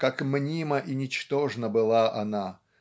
как мнима и ничтожна была она